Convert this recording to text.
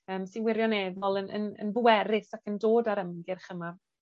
yym sy'n wirioneddol yn yn yn bwerus ac yn dod â'r ymgyrch yma